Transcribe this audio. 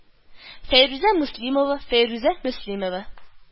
Файруза Муслимова, Фәйрүзә Мөслимова